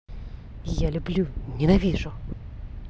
я люблю ненавижу